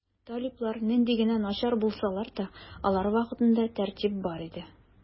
Талиблар нинди генә начар булсалар да, алар вакытында тәртип бар иде.